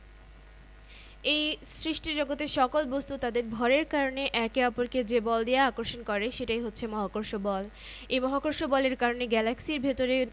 অন্য কথায় বলা যায় আমরা যদি পারমাণবিক পর্যায়ে চলে যাই তাহলে সব বলই অস্পর্শক এক পরমাণু অন্য পরমাণুকে আকর্ষণ বিকর্ষণ করে দূর থেকে তাদেরকে আক্ষরিক অর্থে স্পর্শ করতে হয় না